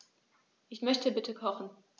Ich möchte bitte kochen.